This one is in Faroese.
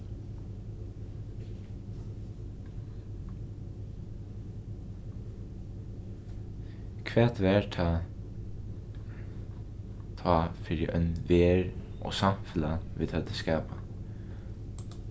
hvat var tað tá fyri ein verð og samfelag vit høvdu skapað